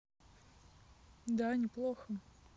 да неплохо